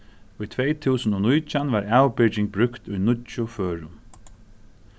í tvey túsund og nítjan varð avbyrging brúkt í níggju førum